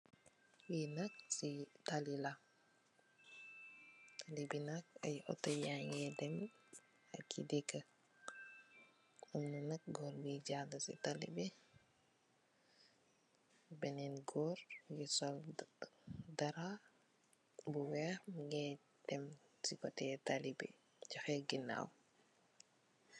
Fii nak tali la ay moto ya gi dam nu ci kaw tali bi di daw am na gorr buyi jala tali bi